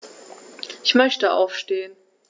Ich möchte aufstehen.